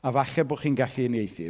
A falle bod chi'n gallu unieithu.